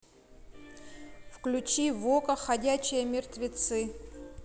включи в окко ходячие мертвецы